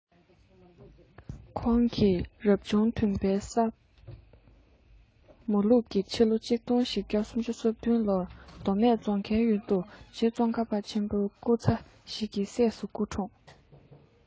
ཁོང ནི རབ བྱུང བདུན པའི ས མོ ལུག ཕྱི ལོ ༡༤༣༩ ལོར མདོ སྨད ཙོང ཁའི ཡུལ དུ རྗེ ཙོང ཁ པ ཆེན པོའི སྐུ ཚ ཞིག གི སྲས སུ སྐུ འཁྲུངས